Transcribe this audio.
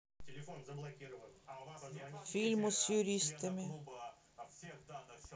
фильмы с юристами